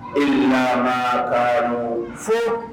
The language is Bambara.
Ilima ko n fo